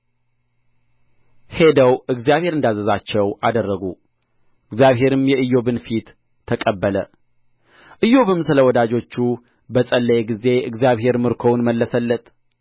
ሄደው እግዚአብሔር እንዳዘዛቸው አደረጉ እግዚአብሔርም የኢዮብን ፊት ተቀበለ ኢዮብም ስለ ወዳጆቹ በጸለየ ጊዜ እግዚአብሔርም ምርኮውን መለሰለት